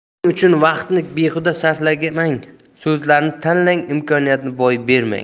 shuning uchun vaqtni behuda sarflamang so'zlarni tanlang imkoniyatni boy bermang